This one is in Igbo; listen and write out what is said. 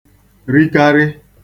rikarị